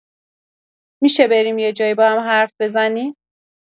می‌شه بریم یه جایی باهم حرف بزنیم؟